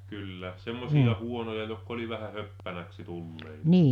kyllä semmoisia huonoja jotka oli vähän höppänäksi tulleita